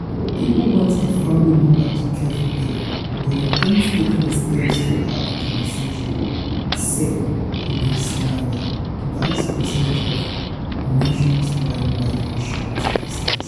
"People want a family member to care for them, but they aren't taking the steps to have the conversation," said Holly Snyder, vice president of Nationwide's life insurance business.